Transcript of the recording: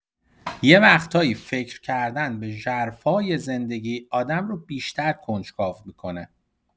یه وقتایی فکر کردن به ژرفای زندگی آدم رو بیشتر کنجکاو می‌کنه.